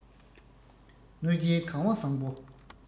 གནོད སྦྱིན གང བ བཟང པོ